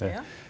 ja.